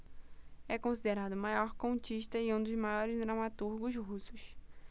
é considerado o maior contista e um dos maiores dramaturgos russos